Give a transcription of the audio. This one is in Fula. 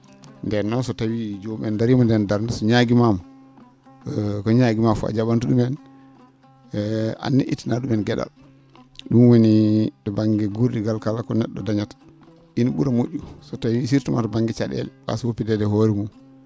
ndeen noon so tawii jomum en dariima ndee ?oon darnde so ñaagiima ma ko ñaagima fof a ja?an ?umen e aan ne ittanaa ?umen ge?al ?um woni to ba?nge guurdigal kala ko ne??o dañata ina ?ura mo??ude so tawii surtout to ba?nge ca?eele waasa woppideede e hoore mum